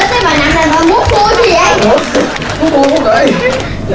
bà lên đây bà nằm nè bà múa cua chi zậy múa cua múa ngựa gì